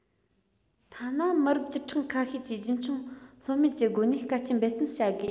ཐ ན མི རབས བཅུ ཕྲག ཁ ཤས ཀྱིས རྒྱུན འཁྱོངས ལྷོད མེད ཀྱི སྒོ ནས དཀའ སྤྱད འབད བརྩོན བྱ དགོས